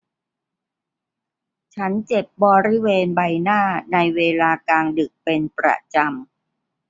ฉันเจ็บบริเวณใบหน้าในเวลากลางดึกเป็นประจำ